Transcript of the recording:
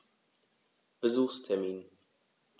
Besuchstermin